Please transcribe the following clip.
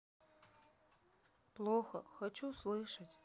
плохо хочу слышать